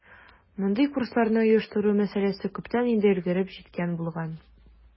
Мондый курсларны оештыру мәсьәләсе күптән инде өлгереп җиткән булган.